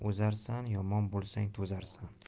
yomon bo'lsang to'zarsan